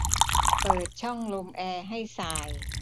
เปิดช่องลมแอร์ให้ส่าย